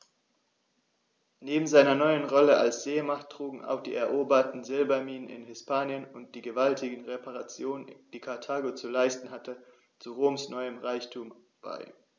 Neben seiner neuen Rolle als Seemacht trugen auch die eroberten Silberminen in Hispanien und die gewaltigen Reparationen, die Karthago zu leisten hatte, zu Roms neuem Reichtum bei.